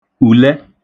ulẹ